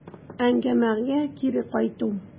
Әңгәмәгә кире кайту.